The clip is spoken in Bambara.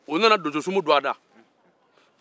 u nana donsusumu dɔgɔda